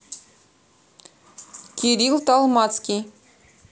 кирилл толмацкий